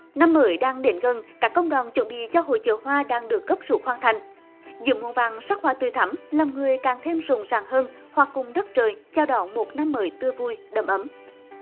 năm mới đang đến gần các công đoạn chuẩn bị cho hội chợ hoa đang được gấp rút hoàn thành giữa muôn vàn sắc hoa tươi thắm lòng người càng thêm rộn ràng hơn hòa cùng đất trời chào đón một năm mới tươi vui đầm ấm